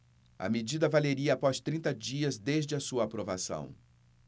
a medida valeria após trinta dias desde a sua aprovação